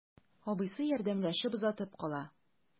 Абыйсы ярдәмләшеп озатып кала.